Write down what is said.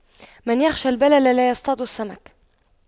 من يخشى البلل لا يصطاد السمك